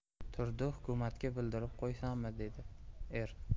turdi hukumatga bildirib qo'ysammi dedi er